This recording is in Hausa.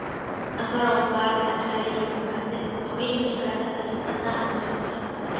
A karon fari a tarihin Barazil, akwai mace 'yar asalin ƙasa a majalisar ƙasa.